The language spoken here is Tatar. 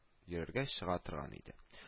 Йөрергә чыга торган иде